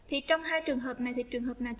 thì trong hai trường hợp này thì trường hợp nào